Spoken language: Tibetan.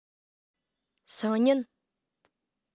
སང ཉིན